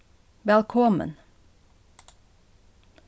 vælkomin